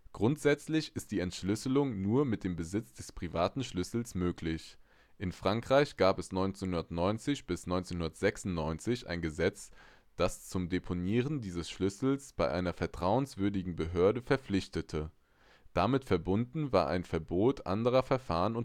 Grundsätzlich ist die Entschlüsselung nur mit dem Besitz des privaten Schlüssels möglich. In Frankreich gab es von 1990 bis 1996 ein Gesetz, das zum Deponieren dieses Schlüssels bei einer „ vertrauenswürdigen Behörde “verpflichtete. Damit verbunden war ein Verbot anderer Verfahren